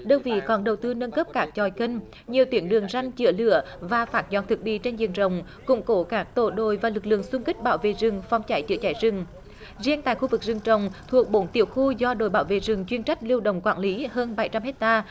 đơn vị còn đầu tư nâng cấp các chòi kênh nhiều tuyến đường ranh chữa lửa và phát dọn thực bì trên diện rộng củng cố các tổ đội và lực lượng xung kích bảo vệ rừng phòng cháy chữa cháy rừng riêng tại khu vực rừng trồng thuộc bốn tiểu khu do đội bảo vệ rừng chuyên trách lưu động quản lý hơn bảy trăm héc ta